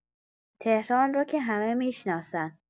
تهران رو که همه می‌شناسن.